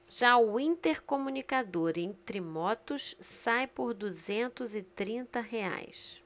já o intercomunicador entre motos sai por duzentos e trinta reais